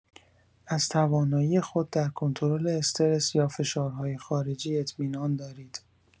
از توانایی خود در کنترل استرس یا فشارهای خارجی اطمینان دارید.